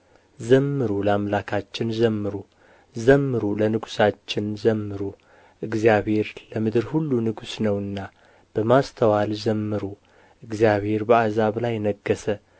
ዘምሩ ለአምላካችን ዘምሩ ዘምሩ ለንጉሣችን ዘምሩ እግዚአብሔር ለምድር ሁሉ ንጉሥ ነውና በማስተዋል ዘምሩ